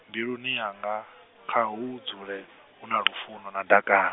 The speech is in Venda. mbiluni yanga, khahu dzule huna lufuno na ḓaka.